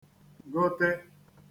-gote